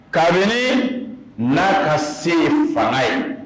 Kabini n'a ka sen fanga ye